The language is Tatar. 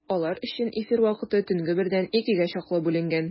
Алар өчен эфир вакыты төнге бердән икегә чаклы бүленгән.